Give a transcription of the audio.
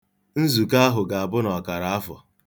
Nzukọ ahụ ga-abụ n'ọkaraafọ.